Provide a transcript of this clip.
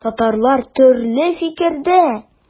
Татарлар төрле фикердә.